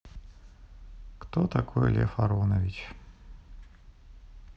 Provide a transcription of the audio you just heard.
кто такой лев аронович